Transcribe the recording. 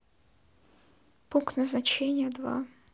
пункт назначения два